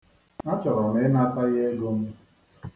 Achọrọ m ịnata ya ego m.